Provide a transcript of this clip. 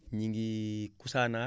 ñu ngi Kusaanaar